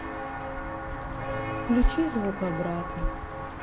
включи звук обратно